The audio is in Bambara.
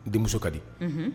Denmuso ka di